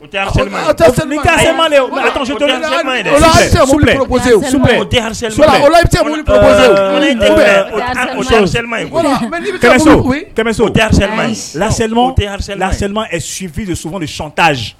O tɛ harcèlement ye o tɛ harcèlement , Kɛmɛso, oui Kɛmɛso ;o tɛ harcèlement ye; l'harcèlement est suivi de, de souvent de chantage